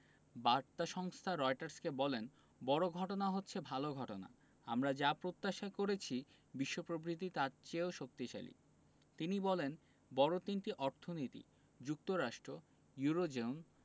বার্তা সংস্থা রয়টার্সকে বলেন বড় ঘটনা হচ্ছে ভালো ঘটনা আমরা যা প্রত্যাশা করেছি বিশ্ব প্রবৃদ্ধি তার চেয়েও শক্তিশালী তিনি বলেন বড় তিনটি অর্থনীতি যুক্তরাষ্ট্র ইউরোজোন